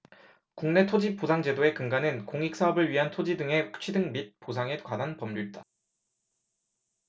국내 토지보상제도의 근간은 공익사업을 위한 토지 등의 취득 및 보상에 관한 법률이다